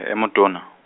e e motona.